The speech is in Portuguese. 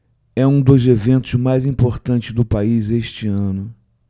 é um dos eventos mais importantes do país este ano